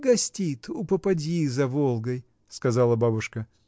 — Гостит у попадьи за Волгой, — сказала бабушка.